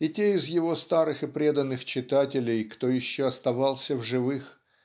и те из его старых и преданных читателей кто еще оставался в живых